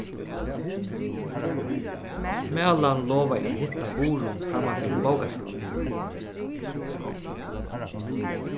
malan lovaði at hitta guðrun framman fyri bókasavnið